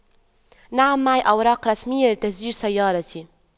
نعم معي أوراق رسمية لتسجيل سيارتي